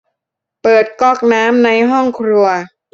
เปิดก๊อกน้ำในห้องครัว